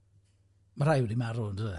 Ma' rhai wedi marw ond ynde?